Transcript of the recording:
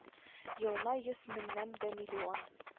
Елына йөз меңнән дә миллион